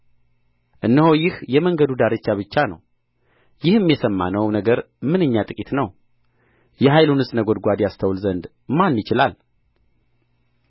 እነሆ ይህ የመንገዱ ዳርቻ ብቻ ነው ይህም የሰማነው ነገር ምንኛ ጥቂት ነው የኃይሉንስ ነጐድጓድ ያስተውል ዘንድ ማን ይችላል